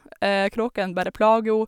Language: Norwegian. Kråkene bare plager ho.